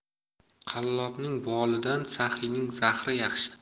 qallobning bolidan saxiyning zahri yaxshi